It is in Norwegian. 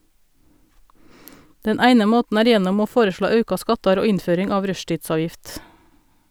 Den eine måten er gjennom å foreslå auka skattar og innføring av rushtidsavgift.